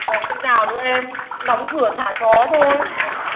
còn cách nào nữa em đóng cửa thả chó thôi